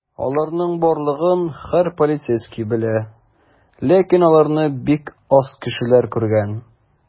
Аларның барлыгын һәр полицейский белә, ләкин аларны бик аз кешеләр күргән.